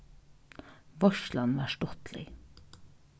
veitslan var stuttlig